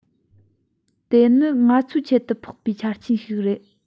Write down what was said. དེ ནི ང ཚོའི ཁྱད དུ འཕགས པའི ཆ རྐྱེན ཞིག རེད